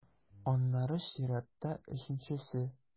Аннары чиратта - өченчесе.